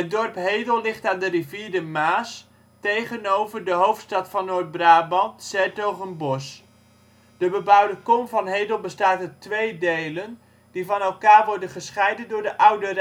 dorp Hedel ligt aan de rivier de Maas, tegenover de hoofdstad van Noord-Brabant ' s-Hertogenbosch. De bebouwde kom van Hedel bestaat uit twee delen, die van elkaar worden gescheiden door de Oude